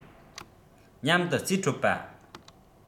མཉམ དུ རྩིས སྤྲོད པ